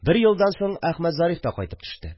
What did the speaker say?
Бер елдан соң Әхмәтзариф та кайтып төште